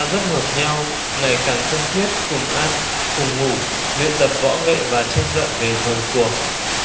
rất hợp nhau ngày càng thân thiết cùng ăn cùng ngủ luyện tập võ nghệ và tranh luận về thời cuộc